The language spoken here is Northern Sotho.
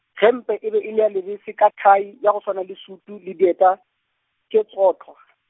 gempe e be e le ya lebese ka thai ya go swana le sutu le dieta, tše tsothwa.